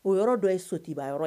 O yɔrɔ dɔ ye sotigiba yɔrɔ